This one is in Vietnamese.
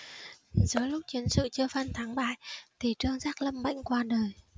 giữa lúc chiến sự chưa phân thắng bại thì trương giác lâm bệnh qua đời